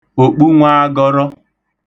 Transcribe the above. òkpunwaagọrọ